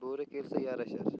bo'ri kelsa yarashar